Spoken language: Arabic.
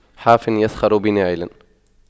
حافٍ يسخر بناعل